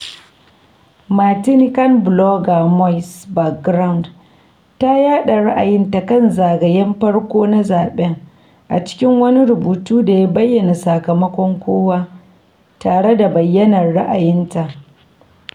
Martinican blogger [moi]'s playground ta yaɗa ra'ayinta kan zagaye farko na zaɓen, a cikin wani rubutu da ya bayyana sakamakon kowa, tare da bayanan ra’ayinta.